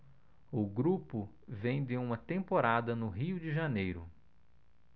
o grupo vem de uma temporada no rio de janeiro